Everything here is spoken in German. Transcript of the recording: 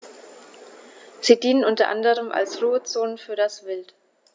Sie dienen unter anderem als Ruhezonen für das Wild.